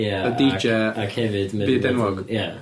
Ie. Y Dee Jay... ac hefyd... ...byd enwog. Ie.